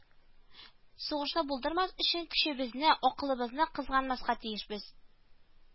Сугышны булдырмас өчен көчебезне, акылыбызны кызганмаска тиешбез